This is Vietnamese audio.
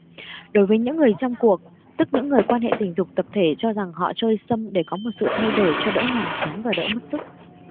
đối với những người trong cuộc tức những người quan hệ tình dục tập thể cho rằng họ chơi sâm để có một sự thay đổi cho đỡ nhàm chán và đỡ mất sức